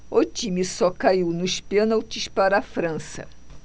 o time só caiu nos pênaltis para a frança